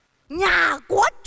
nhà